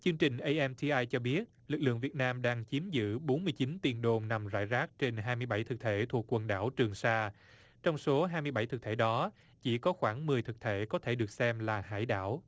chương trình ý ây em ti ai cho biết lực lượng việt nam đang chiếm giữ bốn mươi chín tiền đồn nằm rải rác trên hai mươi bảy thực thể thuộc quần đảo trường sa trong số hai mươi bảy thực thể đó chỉ có khoảng mười thực thể có thể được xem là hải đảo